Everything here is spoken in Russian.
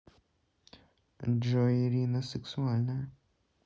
джой ирина сексуальная